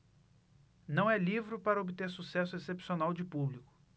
não é livro para obter sucesso excepcional de público